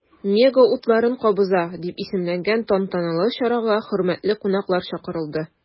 “мега утларын кабыза” дип исемләнгән тантаналы чарага хөрмәтле кунаклар чакырылды.